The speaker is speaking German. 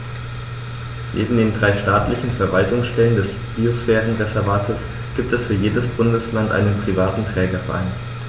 Neben den drei staatlichen Verwaltungsstellen des Biosphärenreservates gibt es für jedes Bundesland einen privaten Trägerverein.